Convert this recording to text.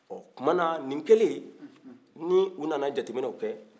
ɔ o tuma na nin kɛlen ni u nana jateminɛw kɛ